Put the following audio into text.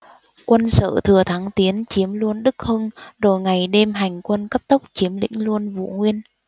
quân sở thừa thắng tiến chiếm luôn đức hưng rồi ngày đêm hành quân cấp tốc chiếm lĩnh luôn vụ nguyên